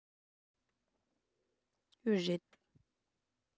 ཡོད རེད